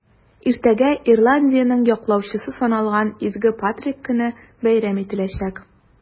Иртәгә Ирландиянең яклаучысы саналган Изге Патрик көне бәйрәм ителәчәк.